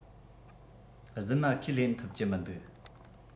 རྫུན མ ཁས ལེན ཐུབ ཀྱི མི འདུག